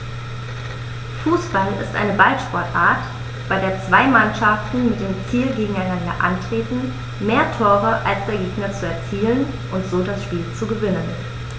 Fußball ist eine Ballsportart, bei der zwei Mannschaften mit dem Ziel gegeneinander antreten, mehr Tore als der Gegner zu erzielen und so das Spiel zu gewinnen.